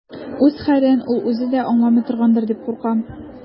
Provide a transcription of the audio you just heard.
Үз хәлен ул үзе дә аңламый торгандыр дип куркам.